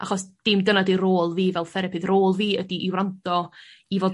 Achos dim dyna 'di rôl fi fel therapydd rôl fi ydi i wrando i fod